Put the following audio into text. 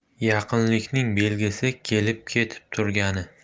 yaqinlikning belgisi kelib ketib turgani